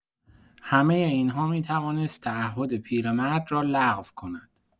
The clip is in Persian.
همه این‌ها می‌توانست تعهد پیرمرد را لغو کند.